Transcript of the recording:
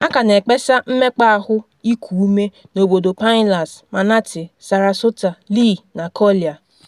A ka na ekpesa mmekpa ahụ iku ime na obodo Pinellas, Manatee, Sarasota, Lee, na Collier.